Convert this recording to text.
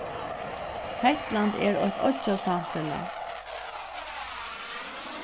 hetland er eitt oyggjasamfelag